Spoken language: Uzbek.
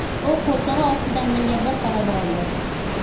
u qo'ltig'i ostidan menga bir qarab oldi